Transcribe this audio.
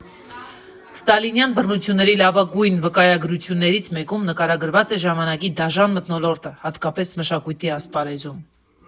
Ստալինյան բռնությունների լավագույն վկայագրություններից մեկում նկարագրված է ժամանակի դաժան մթնոլորտը, հատկապես մշակույթի ասպարեզում։